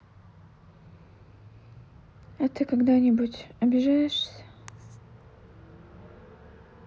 а ты когда нибудь обижаешься